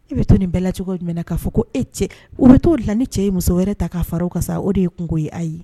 E be to nin bɛɛ la cogo jumɛn na ka fɔ ko e cɛ U be to o de la ni cɛ ye muso wɛrɛ ta ka fara u kan sa, o de ye kunko ye. Ayi